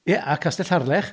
Ie, a castell Harlech?